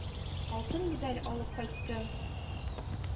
Алтын медаль алып кайтты.